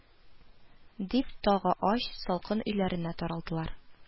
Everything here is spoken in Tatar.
– дип, тагы ач, салкын өйләренә таралдылар